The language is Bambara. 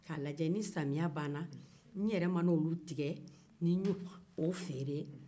ka lajɛ ni saminya baana ni i yɛrɛ mana o tigɛ ni n'ye o feere